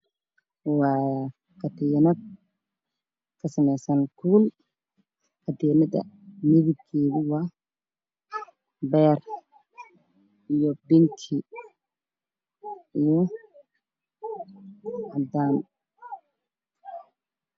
Waa katiinad ka sameysan kuul, katiinadu midabkeedu waa beer iyo binki iyo cadaan